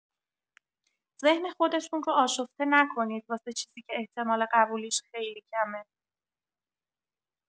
ذهن خودتون رو آشفته نکنید واسه چیزی که احتمال قبولیش خیلی کمه!